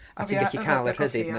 A ti'n gallu cael y rhyddid 'na.